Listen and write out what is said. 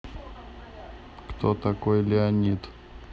кто такой леонид